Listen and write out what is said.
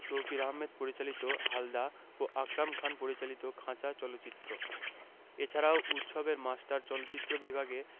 তৌকীর আহমেদ পরিচালিত হালদা ও আকরাম খান পরিচালিত খাঁচা চলচ্চিত্র এছাড়াও উৎসবের মাস্টার চলচ্চিত্র বিভাগে